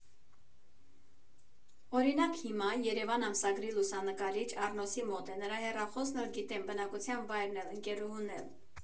Օրինակ՝ հիմա՝ «ԵՐԵՎԱՆ» ամսագրի լուսանկարիչ Առնոսի մոտ է, նրա հեռախոսն էլ գիտեմ, բնակության վայրն էլ, ընկերուհուն էլ։